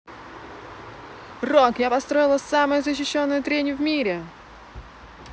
рок я построила самую защищенную треню в мире